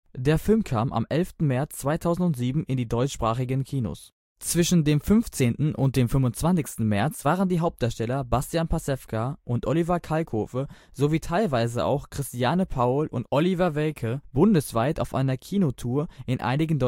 Der Film kam am 11. März 2007 in die deutschsprachigen Kinos. Zwischen dem 15. und dem 25. März waren die Hauptdarsteller Bastian Pastewka und Oliver Kalkofe sowie teilweise auch Christiane Paul und Oliver Welke bundesweit auf einer „ Kinotour “in einigen